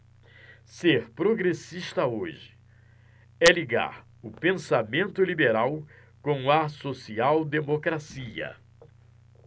ser progressista hoje é ligar o pensamento liberal com a social democracia